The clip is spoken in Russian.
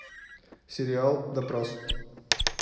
сериал допрос